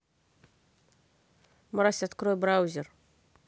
мразь открой браузер